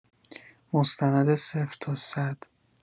مستند صفر تا صد